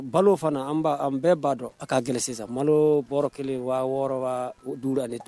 Balo fana an bɛɛ b'a dɔn a k'a gɛlɛn sisan malo bɔ kelen wa wɔɔrɔ dulen